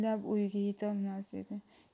o'ylab o'yiga yetolmas edi